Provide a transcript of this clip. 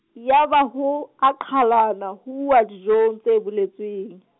yaba ho a qhalanwa ho uwa dijong tse boletsweng .